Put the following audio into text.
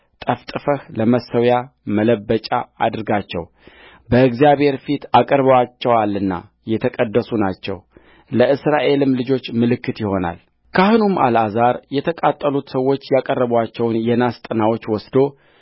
ጠፍጥፈህ ለመሠዊያ መለበጫ አድርጋቸው በእግዚአብሔር ፊት አቅርበዋቸዋልና የተቀደሱ ናቸው ለእስራኤልም ልጆች ምልክት ይሆናሉካህኑም አልዓዛር የተቃጠሉት ሰዎች ያቀረቡአቸውን የናስ ጥናዎች ወስዶ